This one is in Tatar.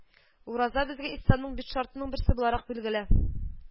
Ураза безгә Исламның биш шартының берсе буларак билгеле